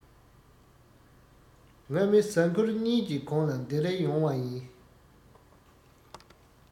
ང མི གཟའ ཁོར གཉིས ཀྱི གོང ལ འདིར ཡོང བ ཡིན